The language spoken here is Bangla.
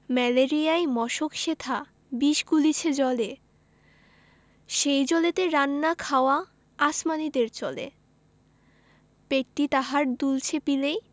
ম্যালেরিয়ার মশক সেথা বিষ গুলিছে জলে সেই জলেতে রান্না খাওয়া আসমানীদের চলে পেটটি তাহার দুলছে পিলেয়